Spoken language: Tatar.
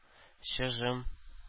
Чыжым